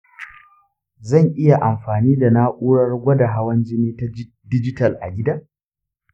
zan iya amfani da na'urar gwada hawan jini ta dijital a gida?